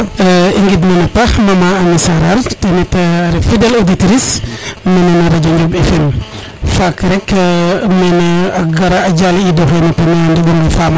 i ngid mana paax Maman Amy Sarare tenit a ref fidele auditrice mene na radio Njob FM faak rek mene a gara a jale id o xene te ne a o ndeɓonge Fama